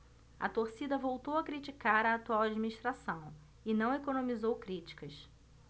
a torcida voltou a criticar a atual administração e não economizou críticas